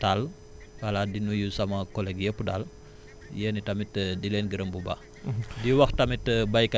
voilà ak doyen Tall voilà di nuyu sama collègue yëpp daal yéen i tamit di leen gërëm bu baax